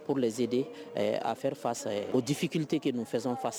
Pour les aider à faire face aux difficultés que nous faisons face